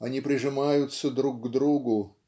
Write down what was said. они прижимаются друг к другу